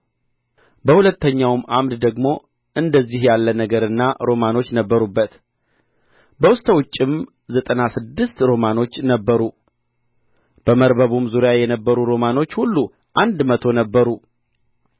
በሁለተኛውም ዓምድ ደግሞ እንደዚህ ያለ ነገርና ሮማኖች ነበሩበት በስተ ውጭም ዘጠና ስድስት ሮማኖች ነበሩ በመረበቡም ዙሪያ የነበሩ ሮማኖች ሁሉ አንድ መቶ ነበሩ